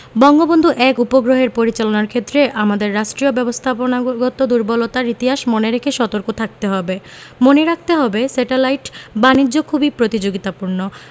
বঙ্গবন্ধু ১ উপগ্রহের পরিচালনার ক্ষেত্রে আমাদের রাষ্ট্রীয় ব্যবস্থাপনাগত দূর্বলতার ইতিহাস মনে রেখে সতর্ক থাকতে হবে মনে রাখতে হবে স্যাটেলাইট বাণিজ্য খুবই প্রতিযোগিতাপূর্ণ